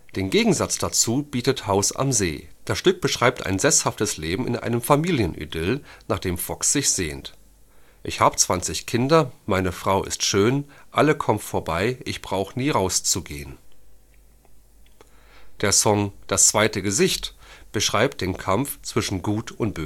Den Gegensatz dazu bietet Haus am See: Das Stück beschreibt ein sesshaftes Leben in einem Familienidyll, nach dem Fox sich sehnt („ Ich hab 20 Kinder, meine Frau ist schön/Alle kommen vorbei, ich brauch nie raus zu gehen “). Der Song Das zweite Gesicht beschreibt den Kampf zwischen Gut und